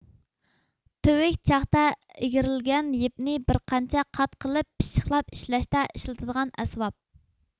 تۈۋۈك چاقتا ئىگىرىلگەن يىپنى بىر قانچە قات قىلىپ پىششىقلاپ ئىشلەشتە ئىشلىتىلىدىغان ئەسۋاب